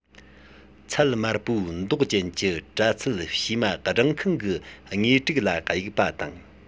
མཚལ དམར པོའི མདོག ཅན གྱི པྲ ཚིལ བཞུས མ སྦྲང ཁང གི ངོས དྲུག ལ བྱུགས པ དང